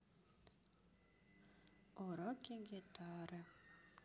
уроки гитары